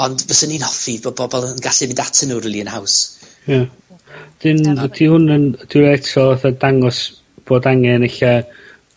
ond fysen i'n hoffi bo' bobol yn gallu mynd atyn nw rili yn haws. Ie, 'dyn, ydi hwn yn, t'mod eto fatha dangos bod angen elle,